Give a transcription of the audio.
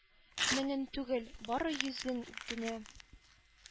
Меңен түгел, бары йөзен генә